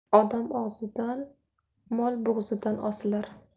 odam og'zidan mol bo'g'zidan osilar